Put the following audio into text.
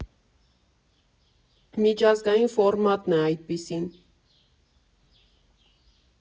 Միջազգային ֆորմատն է այդպիսին։